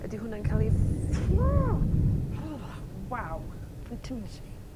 Ydi hwnna'n ca'l 'i ff- waw. Fertility.